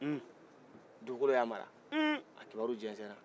dugukolo y'a mara a kibaru jɛsɛra